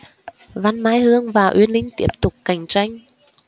văn mai hương và uyên linh tiếp tục cạnh tranh